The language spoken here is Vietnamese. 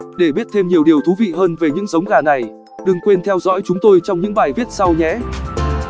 để biết thêm nhiều điều thú vị hơn về những giống gà này đừng quên theo dõi chúng tôi trong những bài viết sau nhé